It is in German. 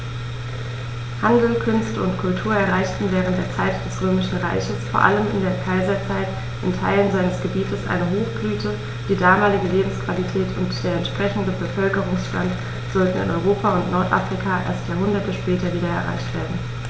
Handel, Künste und Kultur erreichten während der Zeit des Römischen Reiches, vor allem in der Kaiserzeit, in Teilen seines Gebietes eine Hochblüte, die damalige Lebensqualität und der entsprechende Bevölkerungsstand sollten in Europa und Nordafrika erst Jahrhunderte später wieder erreicht werden.